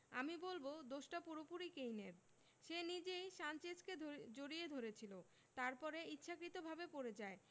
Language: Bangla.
আমি বলব দোষটা পুরোপুরি কেইনের সে নিজেই সানচেজকে দ জড়িয়ে ধরেছিল তারপরে ইচ্ছাকৃতভাবে পড়ে যায়